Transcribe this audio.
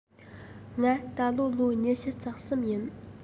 ང ད ལོ ལོ ཉི ཤུ རྩ གསུམ ཡིན